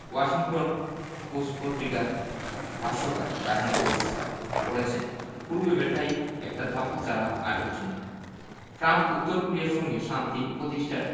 Washington Post পত্রিকার ভাষ্যকার Brian Klaas বলেছেন পুরো ব্যাপারই একটা ধাপ্পা ছাড়া আর কিছু নয় ট্রাম্প উত্তর কোরিয়ার সঙ্গে শান্তি প্রতিষ্ঠায়